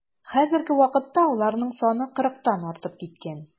Хәзерге вакытта аларның саны кырыктан артып киткән.